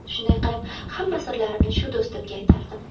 shunday qilib hamma sirlarimni shu do'stimga aytardim